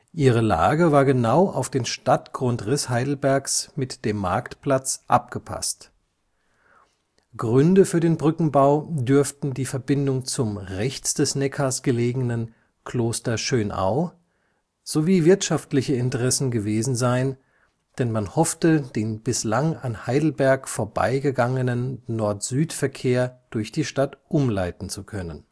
Ihre Lage war genau auf den Stadtgrundriss Heidelbergs mit dem Marktplatz abgepasst. Gründe für den Brückenbau dürften die Verbindung zum rechts des Neckars gelegenen Kloster Schönau sowie wirtschaftliche Interessen gewesen sein, denn man hoffte den bislang an Heidelberg vorbeigegangenen Nord-Süd-Verkehr durch die Stadt umleiten zu können